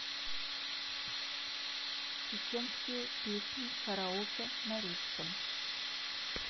чеченские песни караоке на русском